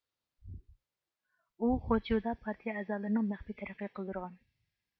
ئۇ خوچيۇدا پارتىيە ئەزالىرىنى مەخپىي تەرەققىي قىلدۇرغان